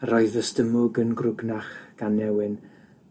Yr oedd fy stumwg yn grwgnach gan newin